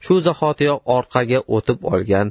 shu zahotiyoq orqaga o'tib olgan